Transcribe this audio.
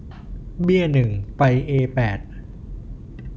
เบี้ยหนึ่งไปเอแปด